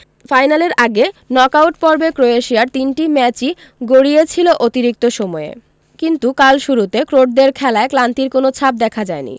ফাইনালের আগে নকআউট পর্বে ক্রোয়েশিয়ার তিনটি ম্যাচই গড়িয়েছিল অতিরিক্ত সময়ে কিন্তু কাল শুরুতে ক্রোটদের খেলায় ক্লান্তির কোনো ছাপ দেখা যায়নি